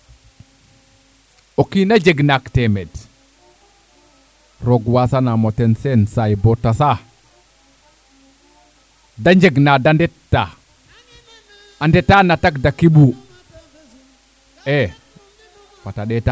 o kiina jeg naak teemed roog wasanamo ten Sene saay bo tasa de njeg nade ndeta andeta na tagdake ɓuuɓ e fata ndetaqin xooxum xaqa den mayu